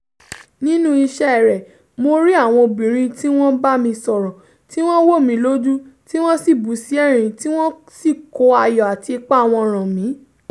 Nínú ìṣẹ́ rẹ̀, mo rí àwọn obìnrin tí wọ́n bá mi sọ̀rọ̀, tí wọ́n wò mí lójú, tí wọ́n bú sí ẹ̀rín tí wọ́n sì kó ayọ̀ àti ipá wọn ràn mí.